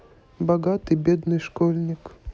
богатый бедный школьник